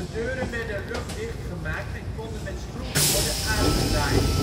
deuren werden luchtdicht gemaakt en konden met schroeven worden aangedraaid